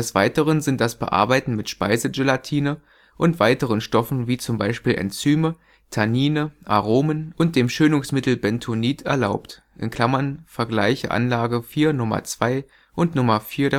Weiteren sind das Bearbeiten mit Speisegelatine und weiteren Stoffen wie z. B. Enzyme, Tannine, Aromen und dem „ Schönungsmittel “Bentonit erlaubt (vgl. Anl. 4 Nr. 2 und Nr. 4